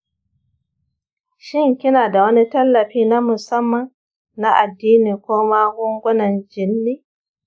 shin kina da wani tallafi na musamman na addini ko magungunan jinni?